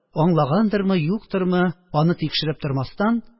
Аңлагандырмы-юктырмы, аны тикшереп тормастан,